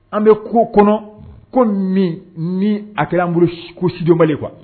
An be ko kɔnɔ ko min ni a kɛra an bolo ko sidɔnbali ye kuwa.